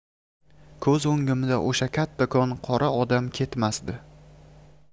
ko'z o'ngimda o'sha kattakon qora odam ketmasdi